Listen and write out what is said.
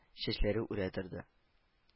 Чәчләре үрә торды